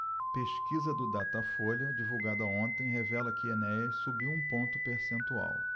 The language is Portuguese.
pesquisa do datafolha divulgada ontem revela que enéas subiu um ponto percentual